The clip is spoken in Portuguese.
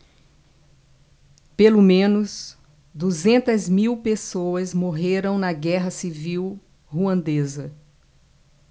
pelo menos duzentas mil pessoas morreram na guerra civil ruandesa